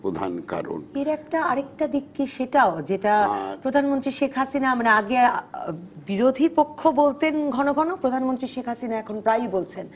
প্রধান কারণ এর একটা আরেকটা দিক কি সেটাও যে এটা প্রধানমন্ত্রী শেখ হাসিনা মানে আগে বিরোধীপক্ষ বলতেন ঘন ঘন প্রধানমন্ত্রী শেখ হাসিনা এখন প্রায়ই বলছেন